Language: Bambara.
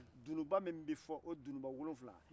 dununba min bɛ fɔ o dununba wolonfila